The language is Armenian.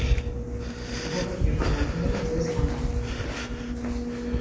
Բոլոր եղանակները ձեզ համար։